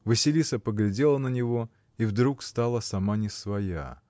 Василиса поглядела на него и вдруг стала сама не своя.